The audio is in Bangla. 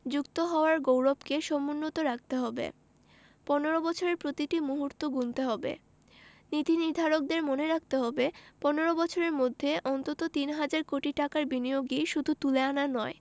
যুক্ত হওয়ার গৌরবকে সমুন্নত রাখতে হবে ১৫ বছরের প্রতিটি মুহূর্ত গুনতে হবে নীতিনির্ধারকদের মনে রাখতে হবে ১৫ বছরের মধ্যে অন্তত তিন হাজার কোটি টাকার বিনিয়োগই শুধু তুলে আনা নয়